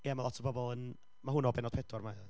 Ia mae' lot o bobl yn... ma' hwn o bennod pedwar mae o ia.